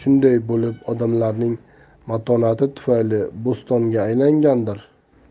shunday bo'lib odamlarning matonati tufayli bo'stonga aylangandir